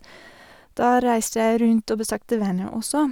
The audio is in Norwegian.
Da reiste jeg rundt og besøkte venner også.